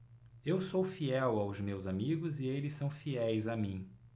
eu sou fiel aos meus amigos e eles são fiéis a mim